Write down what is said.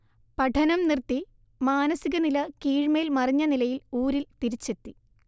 പഠനം നിർത്തി, മാനസികനില കീഴ്മേൽ മറിഞ്ഞനിലയിൽ ഊരിൽ തിരിച്ചെത്തി